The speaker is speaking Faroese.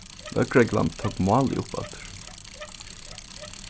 løgreglan tók málið uppaftur